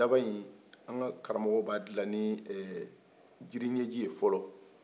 daba in anka karamɔgɔw b'a dilan ni jiriŋɛji ye fɔlɔ